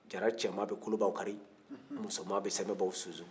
jara cɛman bɛ kolobaw kari musoman bɛ kolobaw susu